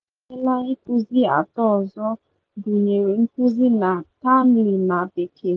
Ọrụ ahụ agbakwunyela nkuzi atọ ọzọ, gụnyere nkuzi na Tamil na Bekee.